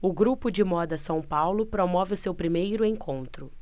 o grupo de moda são paulo promove o seu primeiro encontro